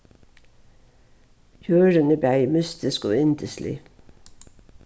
jørðin er bæði mystisk og yndislig